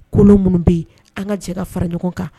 Kolon minnu bɛ yen an ka cɛ ka fara ɲɔgɔn kan